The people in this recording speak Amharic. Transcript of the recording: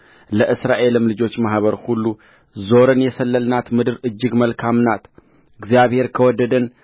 ለእስራኤልም ልጆች ማኅበር ሁሉ ዞረን የሰለልናት ምድር እጅግ መልካም ናትእግዚአብሔርስ ከወደደን